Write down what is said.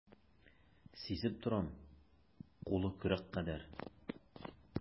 Сизеп торам, кулы көрәк кадәр.